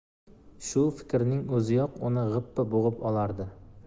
shu fikrning uziyok uni g'ippa bug'ib olardi